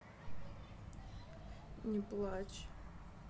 не плачь